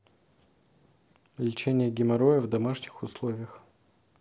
лечение геморроя в домашних условиях